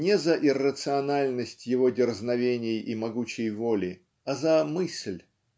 - не за иррациональность его дерзновенной и могучей воли а за мысль